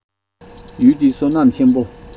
ཡུལ འདི བསོད ནམས ཆེན མོ